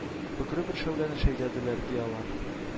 Бөкре бер шәүләне шәйләделәр, ди, алар.